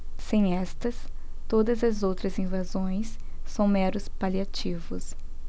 sem estas todas as outras invasões são meros paliativos